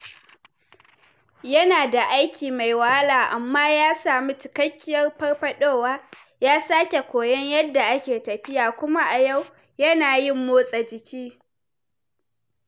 Yana da aiki mai wahala amma ya sami cikakkiyar farfaɗowa, ya sake koyon yadda ake tafiya kuma a yau yana yin motsa jiki!